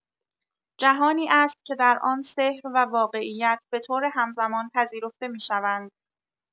جهانی است که در آن سحر و واقعیت به‌طور همزمان پذیرفته می‌شوند.